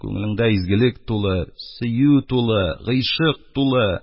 Күңелеңдә изгелек тулы, сөю тулы, гыйшык тулы,